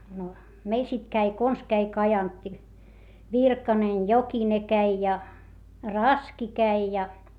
no meillä sitten kävi konsa kävi Kajantti Virkanen Jokinen kävi ja Raski kävi ja